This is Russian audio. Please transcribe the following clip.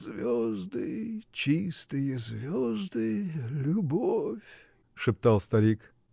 "Звезды, чистые звезды, любовь", -- шептал старик.